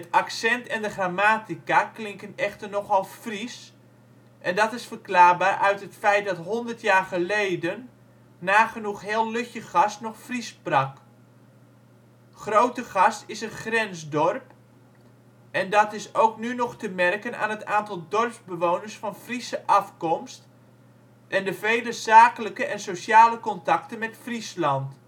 accent en de grammatica klinken echter nogal Fries en dat is verklaarbaar uit het feit dat 100 jaar geleden nagenoeg heel Lutjegast nog Fries sprak. Grootegast is een grensdorp en dat is ook nu nog te merken aan het aantal dorpsbewoners van Friese afkomst en de vele zakelijke en sociale contacten met Friesland